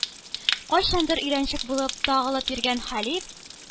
Кайчандыр өйрәнчек булып тагылып йөргән Хәлим